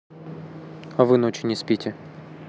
а вы ночи спите